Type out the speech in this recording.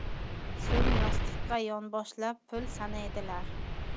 so'ng yostiqqa yonboshlab pul sanaydilar